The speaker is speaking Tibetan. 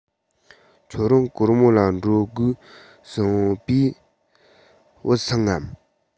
ཁྱོད རང གོར མོ ལ འགྲོ དགོས གསུངས པས བུད སོང ངམ